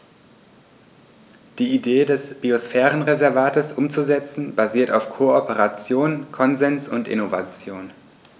Die Idee des Biosphärenreservates umzusetzen, basiert auf Kooperation, Konsens und Innovation.